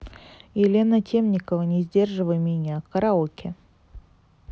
елена темникова не сдерживай меня караоке